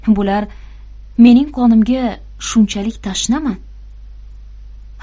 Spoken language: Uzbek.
bular mening qonimga shunchalik tashnami